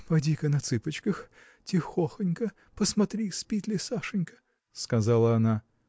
– Поди-ка на цыпочках, тихохонько, посмотри, спит ли Сашенька? – сказала она.